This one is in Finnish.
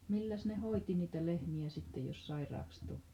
milläs ne hoiti niitä lehmiä sitten jos sairaaksi tuli